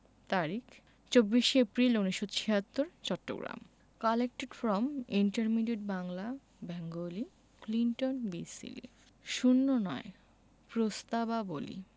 তারিখ চট্টগ্রাম ২৪শে April ১৯৭৬ collected from intermediate Bangla Bengali Clinton B Seely ০৯ প্রস্তাবাবলী